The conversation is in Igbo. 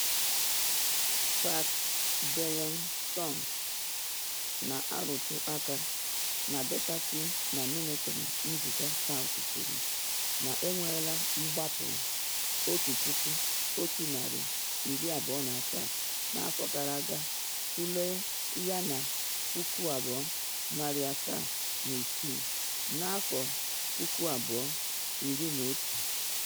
Park Byeong-seun, na arụtụ aka na data si na minitri njikọta South, kwuru na enweela mgbapụ 1,127 n’afọ gara aga - tụlee yana 2,706 na 2011.